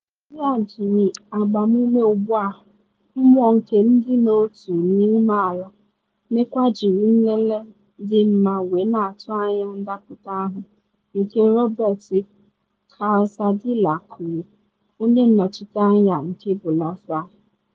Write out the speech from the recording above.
“Bolivia ji agbamume ugbu a, mmụọ nke ịdị n’otu na ume ala, makwa jiri nlele dị mma wee na atụ anya ndapụta ahụ,” nke Roberto Calzadilla kwuru, onye nnọchite anya nke Bolivia.